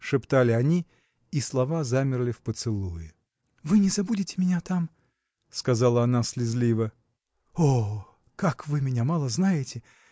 – шептали они, и слова замерли в поцелуе. – Вы забудете меня там? – сказала она слезливо. – О, как вы меня мало знаете!